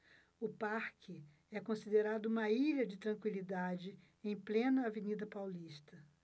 o parque é considerado uma ilha de tranquilidade em plena avenida paulista